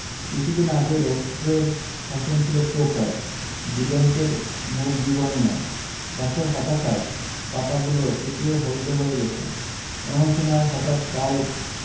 কিছুদিন আগে রৌদ্রের শাসন ছিল প্রখর দিগন্তের মুখ বিবর্ণ গাছের হতাশ্বাস পাতাগুলো শুকিয়ে হলদে হয়ে গেছে এমন সময় হঠাৎ কাল